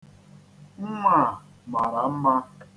Nnwa a mara mma.